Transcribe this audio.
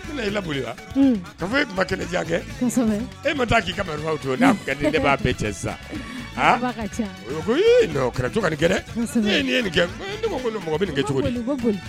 Ko ka i laboli wa? Un! K'a fɔ e tun ma kɛnɛjan kɛ. Kosɛbɛ! E ma taa k'i ka baradagaw bɛɛ to wa? N'a tun kadi ne ye ne b'a bɛɛ cɛ sisan. Kuma ka ca. U ko ko ii kana to ka nin kɛ dɛ! Kosɛbɛ! E n'i ye nin kɛ, ne ko n ko ɛɛ mɔgɔ bɛ nin kɛ cogo di. Ko boli ko